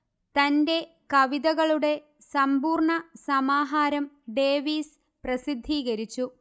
തന്റെ കവിതകളുടെ സമ്പൂർണ സമാഹാരം ഡേവീസ് പ്രസിദ്ധീകരിച്ചു